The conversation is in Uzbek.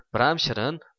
biram shirin